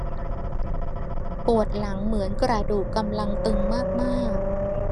ปวดหลังเหมือนกระดูกกำลังตึงมากมาก